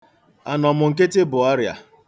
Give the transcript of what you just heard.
Anọmnkịtị bụ ọrịa.